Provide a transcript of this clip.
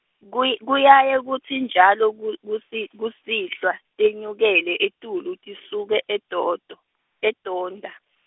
kuy- kuyaye kutsi njalo ku- kusi- kusihlwa, tenyukele, etulu, tisuke eNdondo, eNdonda.